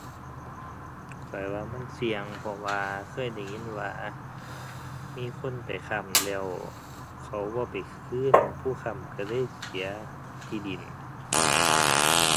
ข้อยว่ามันเสี่ยง เพราะว่าเคยได้ยินว่ามีคนไปค้ำแล้วเขาบ่ไปคืน ผู้ค้ำก็เลยเสียที่ดิน